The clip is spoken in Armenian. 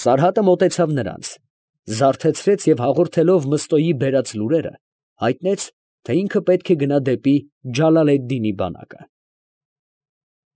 Սարհատը մոտեցավ նրանց, զարթեցրեց և հաղորդելով Մըստոյի բերած լուրերը, հայտնեց, թե ինքը պետք է գնա դեպի Ջալալեդդինի բանակը։ ֊